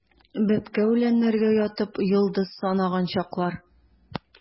Бәбкә үләннәргә ятып, йолдыз санаган чаклар.